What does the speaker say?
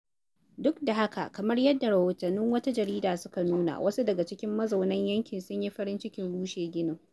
Duk da haka, kamar yadda rahotannin wata jarida suka nuna, wasu daga cikin mazauna yankin sun yi farin cikin rushe ginin.